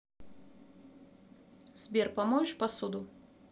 сбер помоешь посуду